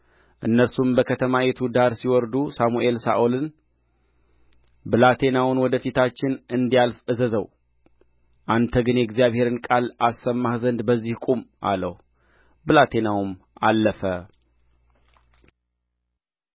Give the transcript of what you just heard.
እነርሱም በከተማይቱ ዳር ሲወርዱ ሳሙኤል ሳኦልን ብላቴናውን ወደ ፊታችን እንዲያልፍ እዘዘው አንተ ግን የእግዚአብሔርን ቃል አሰማህ ዘንድ በዚህ ቁም አለው ብላቴናውም አለፈ